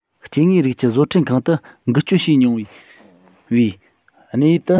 སྐྱེ དངོས རིགས ཀྱི བཟོ སྐྲུན ཁང དུ འགུལ སྐྱོད བྱས མྱོང བའི གནས ཡུལ དུ